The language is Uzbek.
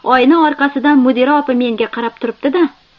oyna orqasidan mudira opa menga qarab turibdi da